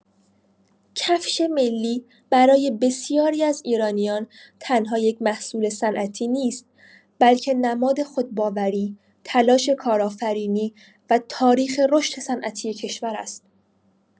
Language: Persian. کفش ملی برای بسیاری از ایرانیان تنها یک محصول صنعتی نیست، بلکه نماد خودباوری، تلاش کارآفرینی و تاریخ رشد صنعتی کشور است.